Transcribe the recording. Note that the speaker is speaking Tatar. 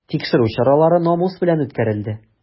Тикшерү чаралары намус белән үткәрелде.